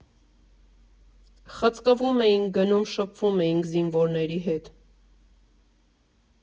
Խցկվում էինք, գնում շփվում էինք զինվորների հետ։